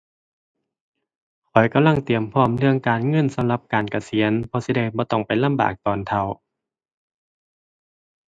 ข้อยกำลังเตรียมพร้อมเรื่องการเงินสำหรับการเกษียณเพราะสิได้บ่ต้องไปลำบากตอนเฒ่า